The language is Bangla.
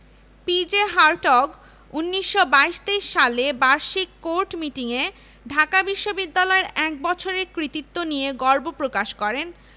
পি.জে হার্টগ ১৯২২ ২৩ সালে বার্ষিক কোর্ট মিটিং এ ঢাকা বিশ্ববিদ্যালয়ের এক বছরের কৃতিত্ব নিয়ে গর্ব প্রকাশ করেন